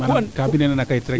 manam ka bindena na kayit rek